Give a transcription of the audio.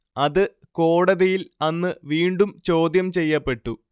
അത് കോടതിയിൽ അന്ന് വീണ്ടും ചോദ്യം ചെയ്യപ്പെട്ടു